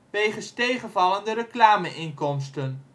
wegens tegenvallende reclame-inkomsten